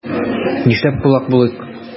Нишләп кулак булыйк?